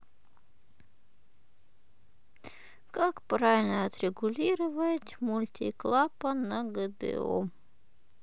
как правильно отрегулировать мультиклапан на гдо